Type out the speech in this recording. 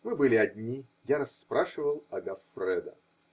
мы были одни, я расспрашивал о Гоффредо.